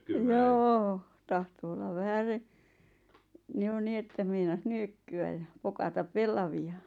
joo tahtoi olla vähäsen niin jo niin että meinasi nyökkyä ja pokata pellavia